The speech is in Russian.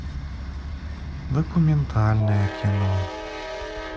документальное кино